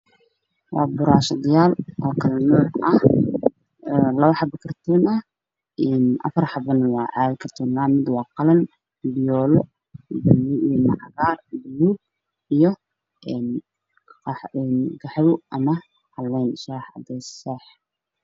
Waa burshad kala nuuc ah laboxabo oo karton ah mid waa qalin mid fiyol mid cagar mid baluug io qaxwo